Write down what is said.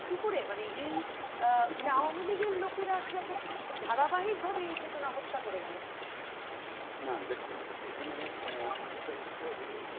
কি করে মানে এই আওয়ামী লীগের লোকেরা আসলে এই ধারাবাহিক ভাবে চেতনা হত্যা করে গেল কিনা না দেখুন এখানে একটা বিষয় হল